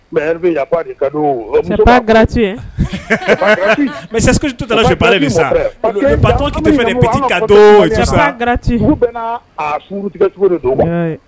Mɛ sa